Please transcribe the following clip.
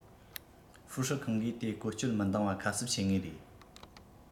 ཧྥུའུ ཧྲི ཁང གིས དེ བཀོལ སྤྱོད མི འདང བ ཁ གསབ བྱེད ངེས རེད